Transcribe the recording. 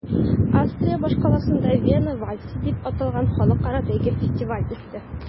Австрия башкаласында “Вена вальсы” дип аталган халыкара бәйге-фестиваль үтте.